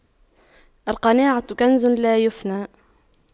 القناعة كنز لا يفنى